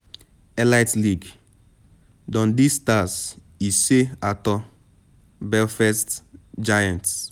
Elite League: Dundee Stars 5-3 Belfast Giants